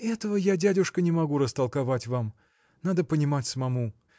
– Этого я, дядюшка, не могу растолковать вам. Надо понимать самому.